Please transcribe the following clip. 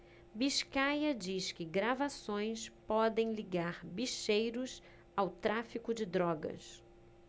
biscaia diz que gravações podem ligar bicheiros ao tráfico de drogas